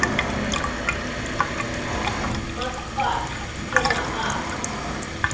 москва тебе на а